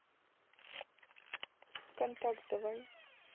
контакт давай